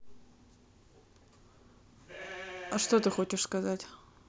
а что ты хочешь сказать